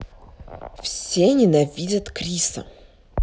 все ненавидят криса